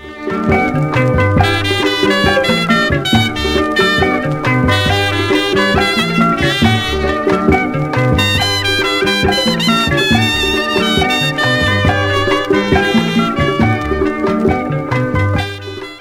Mɛ